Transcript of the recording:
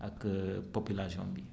ak population bi